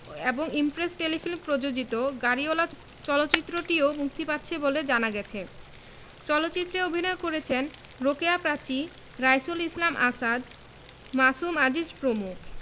এবং Impress Telefilm প্রযোজিত গাড়িওয়ালা চলচ্চিত্রটিও মুক্তি পাচ্ছে বলে জানা গেছে চলচ্চিত্রে অভিনয় করেছেন রোকেয়া প্রাচী রাইসুল ইসলাম আসাদ মাসুম আজিজ প্রমুখ